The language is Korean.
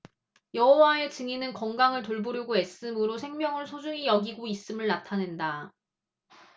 여호와의 증인은 건강을 돌보려고 애씀으로 생명을 소중히 여기고 있음을 나타낸다